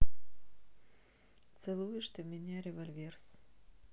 целуешь ты меня револьверс